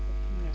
waaw